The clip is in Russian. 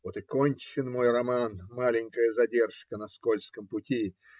Вот в кончен мой роман, маленькая задержка на скользком пути!